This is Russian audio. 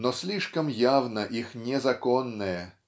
-- но слишком явно их незаконное